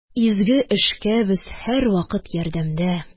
Изге эшкә без һәрвакыт ярдәмдә